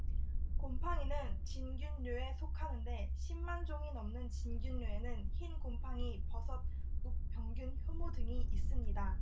곰팡이는 진균류에 속하는데 십 만 종이 넘는 진균류에는 흰곰팡이 버섯 녹병균 효모 등이 있습니다